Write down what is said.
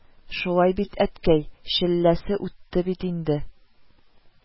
Шулай бит, әткәй, челләсе үтте бит инде